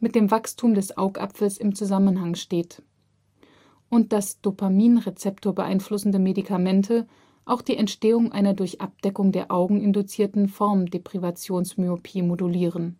mit dem Wachstum des Augapfels im Zusammenhang steht, und dass Dopaminrezeptor-beeinflussende Medikamente auch die Entstehung einer durch Abdeckung der Augen induzierten Formdeprivationsmyopie modulieren